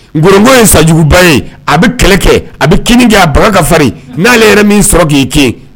N nkmɔgɔ in sajuguba ye a bɛ kɛlɛ kɛ a bɛ k kɛ a baga ka farin n'ale yɛrɛ min sɔrɔ k'i kɛ